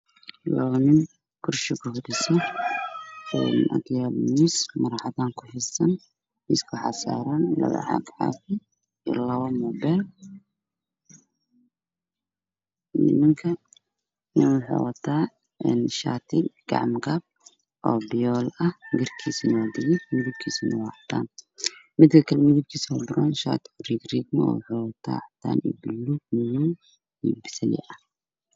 Meshaan waa qol waxaa yaalo miis waxaa ku fidsan maro cadaan ah miis ka saaran Labo mobile